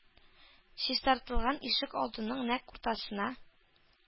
Чистартылган ишек алдының нәкъ уртасына,